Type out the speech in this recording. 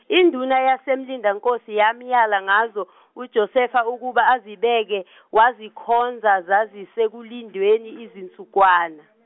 induna yasemlindankosi yamyala ngazo uJosefa ukuba azibheke wazikhonza zazisekulindweni izinsukwana.